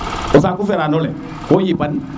o saaku ferando le ko yipan